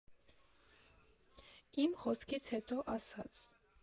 Իր խոսքից հետո ասաց.